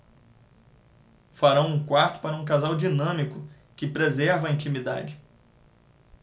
farão um quarto para um casal dinâmico que preserva a intimidade